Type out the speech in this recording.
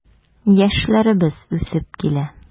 Яшьләребез үсеп килә.